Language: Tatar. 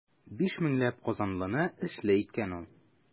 Биш меңләп казанлыны эшле иткән ул.